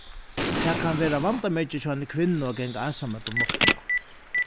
tað kann vera vandamikið hjá eini kvinnu at ganga einsamøll um náttina